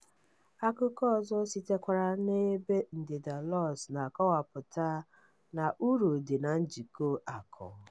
Akụkọ ọzọ sitekwara n'ebe ndịda Laos na-akọwapụta n'uru dị na njikwa akụ: